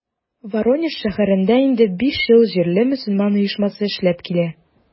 Воронеж шәһәрендә инде биш ел җирле мөселман оешмасы эшләп килә.